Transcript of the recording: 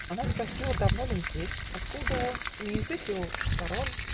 Она спросила, Давно ль он здесь, откуда он И не из их ли уж сторон?